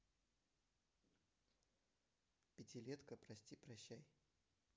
пятилетка прости прощай